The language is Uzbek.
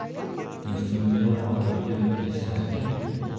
do'stingga otilgan kesakning